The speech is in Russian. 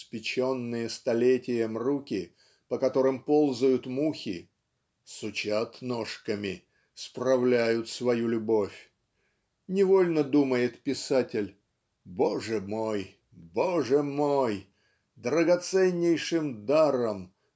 спеченные столетием руки" по которым ползают мухи "сучат ножками справляют свою любовь" невольно думает писатель "Боже мой, Боже мой! Драгоценнейшим даром